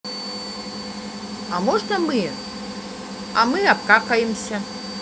а можно мы а мы обкакаемся